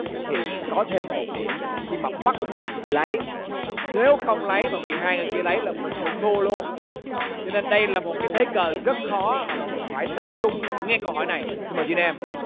thì có thêm một điểm nhưng mà bắt buộc phải lấy nếu không lấy và bị hai người kia lấy là mình cũng thua luôn cho nên đây là một cái thế cờ rất khó mà mọi người phải tập trung nghe câu hỏi này xin mời duy nam